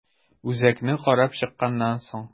Үзәкне карап чыкканнан соң.